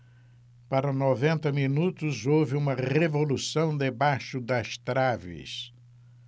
para noventa minutos houve uma revolução debaixo das traves